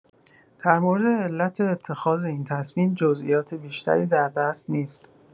در مورد علت اتخاذ این تصمیم جزئیات بیشتری در دست نیست.